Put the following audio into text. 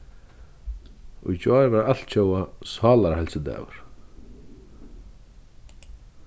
í gjár var altjóða sálarheilsudagur